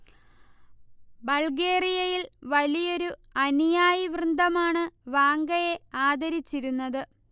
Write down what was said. ബൾഗേറിയയിൽ വലിയൊരു അനുയായി വൃന്ദമാണ് വാംഗയെ ആദരിച്ചിരുന്നത്